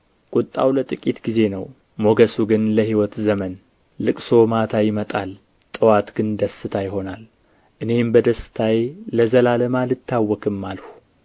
ቍጣው ለጥቂት ጊዜ ነው ሞገሱ ግን ለሕይወት ዘመን ልቅሶ ማታ ይመጣል ጥዋት ግን ደስታ ይሆናል እኔም በደስታዬ ለዘላለም አልታወክም አልሁ